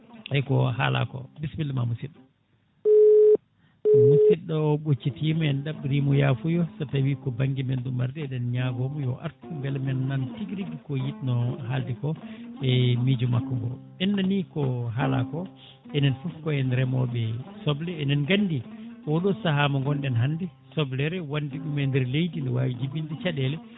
ayyi ko haalako bisimilla ma musidɗo musidɗo o ɓoccitima en ɗaɓɓirimo yafuya so tawi ko banggue men ɗum ardi eɗen ñagomo yo artu beele men nan tiguirigui ko yitno haalde ko e miijo makko ngo en nani ko haala ko enen foof ko en reemoɓe soble enen gandi oɗo saaha mo gonɗen hande soblere wonde ɗum e nder leydi ne wawi jibinde caɗele